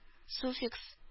Суффикс